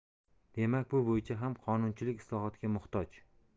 demak bu bo'yicha ham qonunchilik islohotga muhtoj